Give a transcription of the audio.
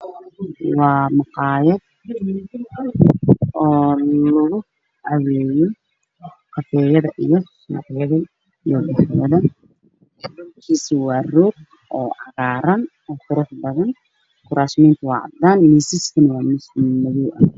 Waa meel maqaayad oo barxad oo banaan oo rog cagaaran maxaa yeelay kuraas iyo miisas waana maqaayad